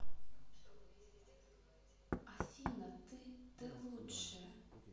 афина ты ты лучшая